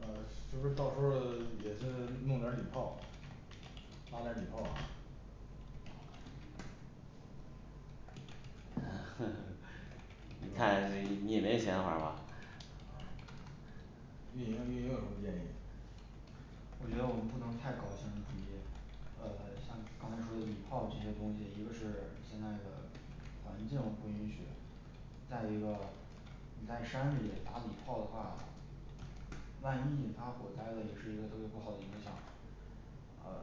呃是不是到时候儿也是弄点儿礼炮，拉点儿礼包啊 你看你你没想法儿吗运营运营有什么建议我觉得我们不能太搞形式主义，呃像刚才说的礼炮这些东西，一个是现在的环境不允许再一个你在山里打礼炮的话，万一引发火灾了也是一个特别不好的影响呃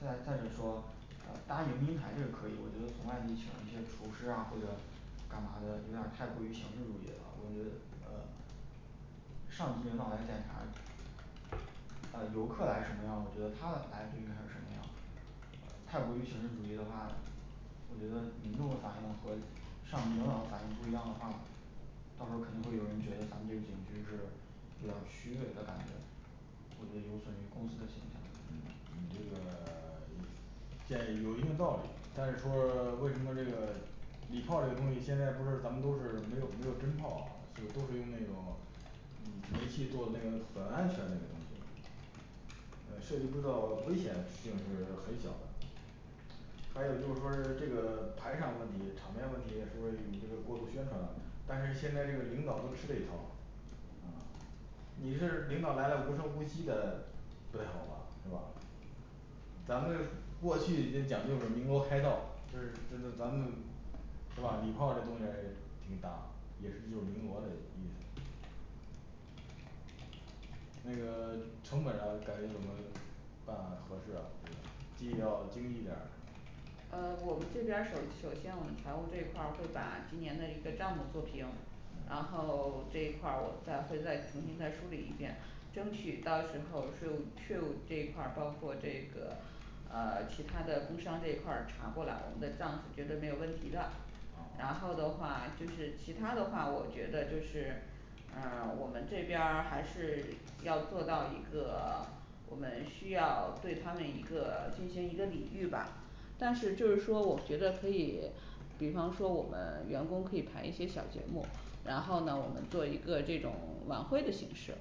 再再者说呃搭迎宾台这个可以，我觉得从外地请一些厨师啊或者干嘛的，有点儿太过于形式主义了，我觉得呃上级领导来检查，呃游客来什么样，我觉得他来就应该是什么样太过于形式主义的话，我觉得民众的反应和上级领导的反应不一样的话，到时候儿肯定会有人觉得咱们这个景区是有点儿虚伪的感觉我觉得有损于公司的形嗯象你这个 一 建议有一定道理，但是说为什么这个礼炮这个东西现在不是咱们都是没有没有真炮啊，就是都是用那种煤气做那个很安全那个东西呃设计不知道危险性是很小的还有就是说是这个台上问题，场面问题是不是有这个过度宣传啊，但是现在这个领导都吃这一套啊，你是领导来了，无声无息的，不太好吧是吧咱们这 过去已经讲究是鸣锣开道，就是尊敬咱们是吧？礼炮这动静儿也挺大，也是就是鸣锣的意思那个成本儿啊感觉怎么办合适啊这个，既要经济点儿呃我们这边儿首首先我们财务这一块儿会把今年的一个账目做平嗯，然后这一块儿我再会再重新再梳理一遍争取到时候税务税务这一块儿，包括这个呃其他的工商这一块儿查过来，我们的账是绝对没有问题的嗯然嗯后的话就是其他的话，我觉得就是呃我们这边儿还是要做到一个 我们需要对他们一个进行一个礼遇吧， 但是就是说我觉得可以， 比方说我们员工可以排一些小节目，然后呢我们做一个这种晚会的形式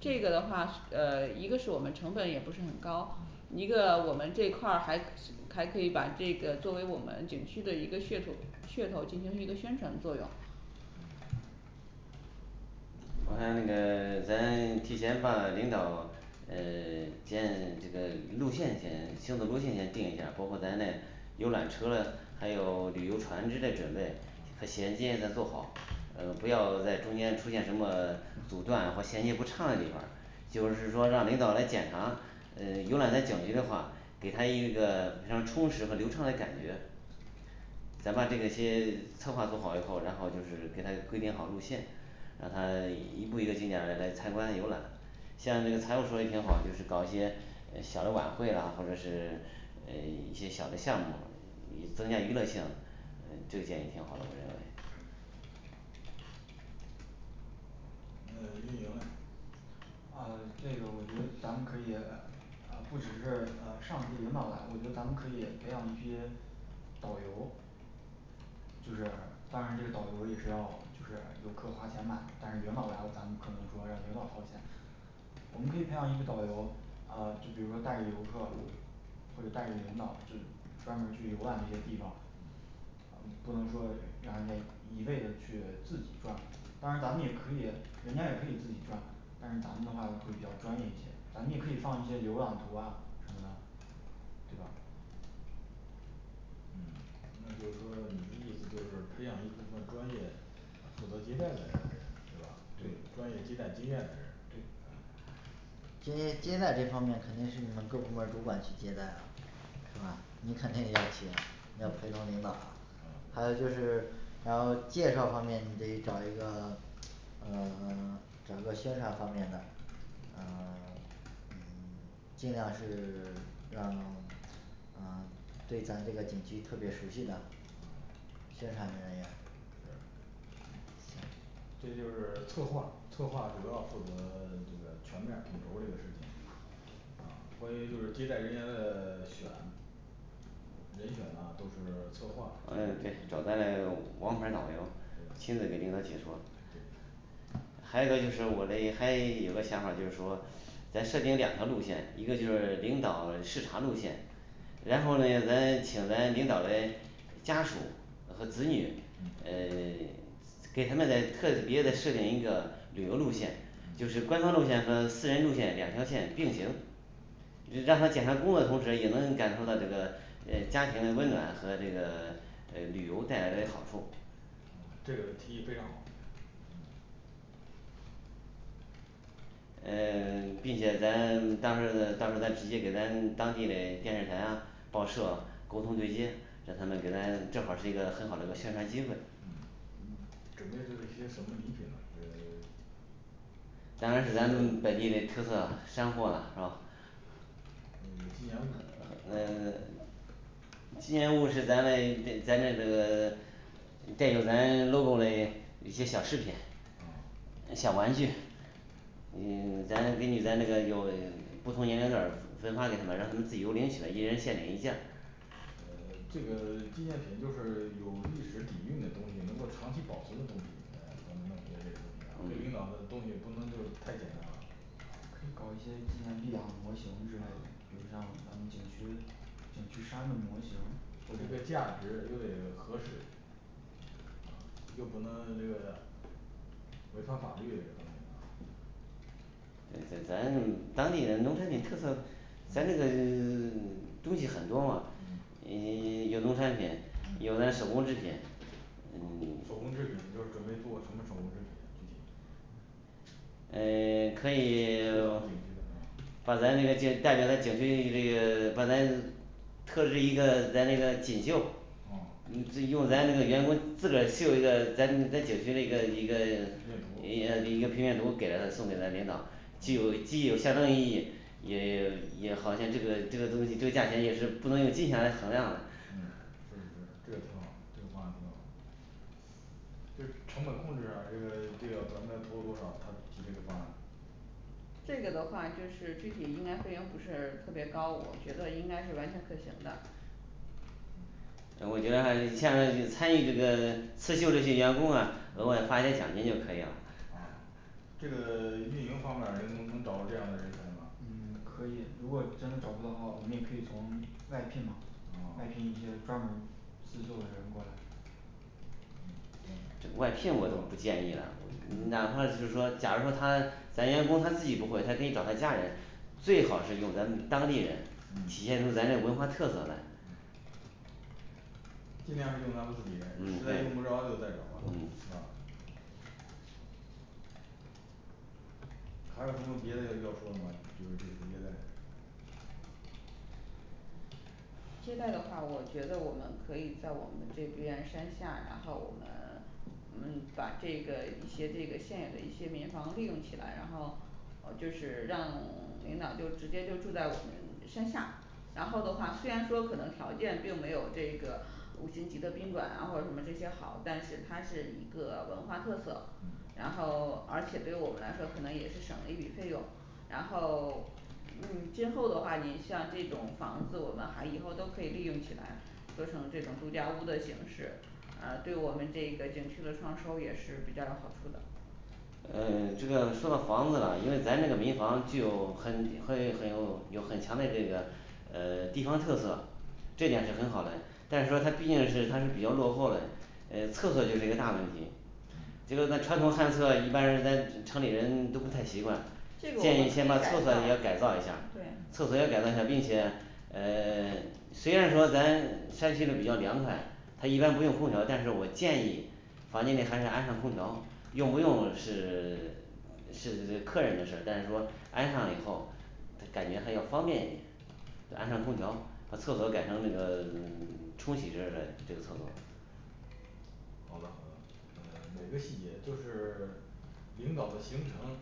这个的话是 呃一个是我们成本也不是很高，一嗯个我们这块儿还还可以把这个作为我们景区的一个噱头噱头进行一个宣传作用嗯我看这个咱提前把领导呃 线这个路线，先行走路线先定一下儿，包括咱嘞游览车了，还有旅游船只嘞准备和衔接要做好，呃不要在中间出现什么阻断或衔接不畅嘞地方儿就是说让领导来检查呃游览在景区的话，给他一个非常充实和流畅嘞感觉咱把这个先策划做好以后，然后就是给他规定好路线，让他一步一个景点儿嘞来参观游览像那个财务说嘞挺好，就是搞一些诶小的晚会啦或者是诶一些小嘞项目儿以增加娱乐性，嗯呃这个建议挺好的我认为那运营嘞啊这个我觉得咱们可以呃啊不只是呃上级领导来，我觉得咱们可以培养一批导游就是当然这个导游也是要就是游客花钱买，但是领导来了咱不可能说让领导掏钱我们可以培养一个导游，呃就比如说带着游客或者带着领导就专门儿去游览这些地方嗯不能说让 让人家一味的去自己转，当然咱们也可以人家也可以自己转，但是咱们的话会比较专业一些，咱们也可以放一些浏览图啊什么的，对吧嗯那就是说你的意思就是培养一部分专业负责接待的人对吧？专业对接待经验，的人，嗯对接接待这方面肯定是你们各部门儿主管去接待啊，是吧？你肯定也要去啊。要陪同领导啊嗯还有就是然后介绍方面你得找一个呃 找个宣传方面的呃 嗯尽量是 让 嗯对咱这个景区特别熟悉的嗯，对宣传的人员行这就是策划策划主要负责 这个全面儿统筹这个事情啊关于就是接待人员的 选人选呐都是策划，嗯对，对对找咱嘞王牌儿导游，亲自给领导解说还有一个就是我嘞还有个想法儿就是说咱设定两条路线，一个就是领导视察路线，然后嘞咱请咱领导嘞家属和子女嗯嗯 给他们再特别的设定一个旅游路线，就是官方路线和私人路线两条线并行让他检查工作的同时也能感受到这个诶家庭嘞温暖和这个呃旅游带来嘞好处这个提议非常好，嗯嗯并且咱到时候儿到时候儿咱直接给咱当地嘞电视台啦报社沟通对接，让他们给咱正好儿是一个很好的一个宣传机会嗯，嗯准备的一些什么礼品呢，呃 当然是咱们本地嘞特色啦山货啦是吧嗯，纪念物，，呃啊 纪念物是咱嘞这 咱这个 带有咱嘞logo嘞一些小饰品啊，小玩具嗯 咱根据咱这个有不同年龄段儿分发给他们，让他们自己有领取了，一人限定一件儿呃这个纪念品就是有历史底蕴嘞东西能够长期保存的东西，诶咱们弄一些这个东西然后给领嗯导的东西不能就是太简单了可以搞一些纪念币啊模型之类的，比如像咱们景区景区山的模型儿不或这个者价值又得合适，啊又不能这个违反法律的这个东西啊嗯在咱当地的农村里特色，咱那个 东西很多嘛，你 有农产品，有那手工制品嗯手工制品就是准备做个什么手工制品，具体的诶 可用咱们景区的以 啊把咱这个就代表着景区里这个把咱特质一个咱那个锦绣啊嗯就用咱这个员工自个儿绣一个咱咱景区的一个一个平一啊面图一个平面图给咱送给咱领导既有既有象征意义，也也好像这个这个东西这个价钱也是不能用金钱来衡量的嗯，确实这个挺好，这个方案挺好就是成本控制啊这个这个咱们要投入多少，他提这个方案这个的话就是具体应该费用不是特别高，我觉得应该是完全可行的呃我觉得还是下面儿参与这个刺绣这些员工啊额外发一些奖金就可以啦啊这个运营方面儿能 能找到这样的人才吗？啊嗯，可以，如果真的找不到的话，我们也可以从外聘嘛，外聘一些专门儿刺绣的人过来行这外聘我倒不建议了，哪怕就是说假如说他咱员工他自己不会，他可以找他家人，最好是用咱们当地人体嗯现出咱这文化特色来尽量是用咱们自己嗯人，实对在嗯用不着就再找吧，嗯是吧还有什么别的要要说的吗？就是这个接待接待的话我觉得我们可以在我们这边山下，然后我们我们 把这个一些这个现有的一些民房利用起来然后呃就是让 领导就直接就住在我们山下，然后的话虽然说可能条件并没有这个五星级的宾馆啊或者什么这些好，但是它是一个文化特色嗯，然后而且对我们来说可能也是省了一笔费用然后 嗯之后的话，你像这种房子，我们还以后都可以利用起来做成这种度假屋的形式，呃对我们这个景区的创收也是比较有好处的呃这个说到房子了，因为咱这个民房具有很很很有有很强的这个呃地方特色这点是很好嘞，但是说它毕竟是它是比较落后嘞，诶厕所就是一个大问题。嗯因为咱传统旱厕一般人在城里人都不太习惯这个我建们议可先把厕所也要以改改造造一下儿，对，厕所要改造一下，并且嗯 虽然说咱山区里比较凉快，他一般不用空调，但是我建议房间里还是安上空调用不用是是客人的事儿，但是说安上了以后感觉还要方便一点。安上空调把厕所改成那个冲洗式嘞这个厕所好的好的。呃每个细节就是 领导的行程，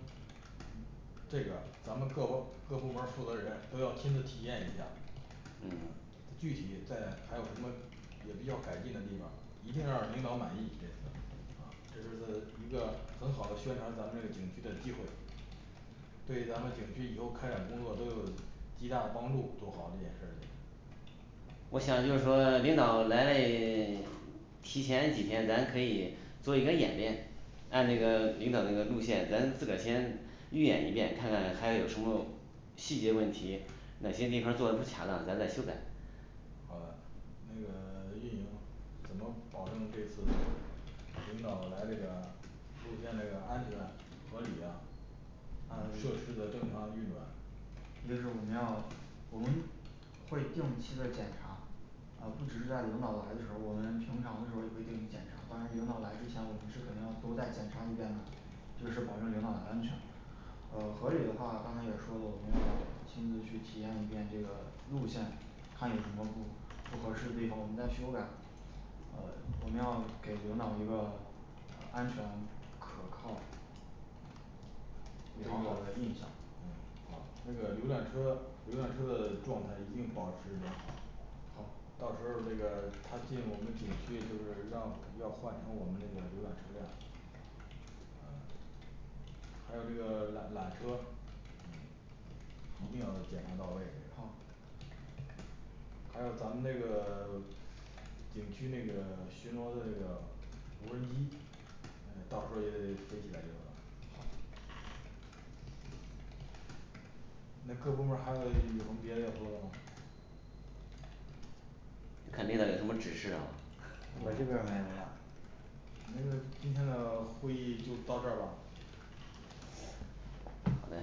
这个咱们各个各部门儿负责人都要亲自体验一下他嗯具体在还有什么也比较改进的地方儿，一定让领导满意，这次啊这是个一个很好的宣传咱们这个景区的机会对咱们景区以后开展工作都有极大的帮助做好这件事儿先我想就是说领导来嘞， 提前几天咱可以做一个演练按这个领导这个路线咱自个儿先预演一遍，看看还有什么细节问题，哪些地方做的不恰当，咱再修改好的。那个运营怎么保证这次领导来这个路线这个安全合理呀啊，设一施的 正常运转一个是我们要我们会定期的检查，啊不只是在领导来的时候儿，我们平常的时候儿也会定期检查，当然领导来之前我们是肯定要都再检查一遍的就是保证领导的安全。呃合理的话刚才也说了，我们要亲自去体验一遍这个路线，看有什么不不合适的地方我们再修改呃我们要给领导一个呃安全可靠比这较好的印个象，嗯，好，那个浏览车浏览车的状态一定保持良好好，到时候儿这个他进我们景区，就是让要换乘我们这个浏览车辆呃还有这个缆缆车嗯，一定要检查到位这个好还有咱们那个 景区那个巡逻的那个无人机，呃到时候儿也得飞起来叫它们好那各部门儿还 有什么别嘞要说的吗看领导有什么指示啊？我这边儿没没有了没事儿，今天的会议就到这儿吧好嘞